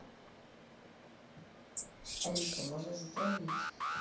алиса можно затравить